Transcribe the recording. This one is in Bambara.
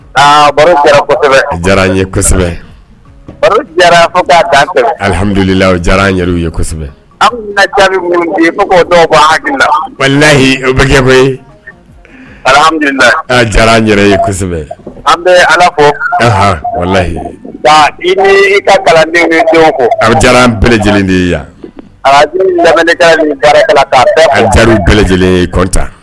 A baro kosɛbɛ jara ye baro jara an ka amdula diyara yɛrɛ ye kosɛbɛ an ka jamum ko dɔ halayi o bɛ kɛ koyi ye alami diyara yɛrɛ ye kosɛbɛ an bɛ ala kolayi i ni ka kalanden aw diyara bɛɛele lajɛlen de yan adu baara kaj bɛɛlɛ lajɛlen